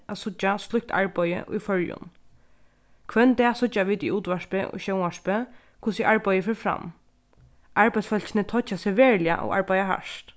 at síggja slíkt arbeiði í føroyum hvønn dag síggja vit í útvarpi og sjónvarpi hvussu arbeiðið fer fram arbeiðsfólkini toyggja seg veruliga og arbeiða hart